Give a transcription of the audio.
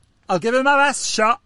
I'll give it my best shot.